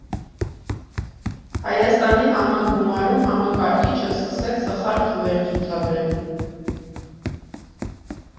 Հայաստանի համագումարում համակարգիչը սկսեց սխալ թվեր ցուցադրել։